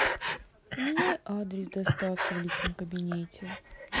поменяй адрес доставки в личном кабинете